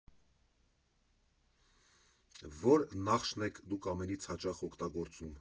Ո՞ր նախշն եք Դուք ամենից հաճախ օգտագործում։